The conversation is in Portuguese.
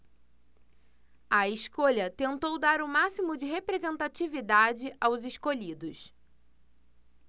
a escolha tentou dar o máximo de representatividade aos escolhidos